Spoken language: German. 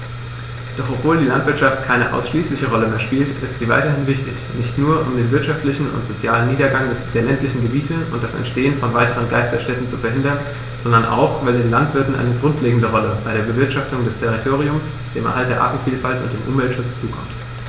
Doch obwohl die Landwirtschaft keine ausschließliche Rolle mehr spielt, ist sie weiterhin wichtig, nicht nur, um den wirtschaftlichen und sozialen Niedergang der ländlichen Gebiete und das Entstehen von weiteren Geisterstädten zu verhindern, sondern auch, weil den Landwirten eine grundlegende Rolle bei der Bewirtschaftung des Territoriums, dem Erhalt der Artenvielfalt und dem Umweltschutz zukommt.